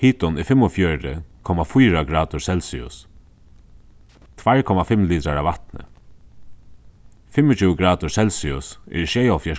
hitin er fimmogfjøruti komma fýra gradir celsius tveir komma fimm litrar av vatni fimmogtjúgu gradir celsius eru sjeyoghálvfjerðs